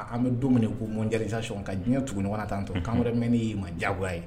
An bɛ don k' n jasa shɔn ka diɲɛ tuguni ni wara t tanan to an wɛrɛ mɛn'i ma diyagoya ye